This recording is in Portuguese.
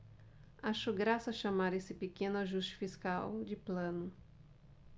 acho graça chamar esse pequeno ajuste fiscal de plano